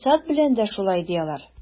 Икътисад белән дә шулай, ди алар.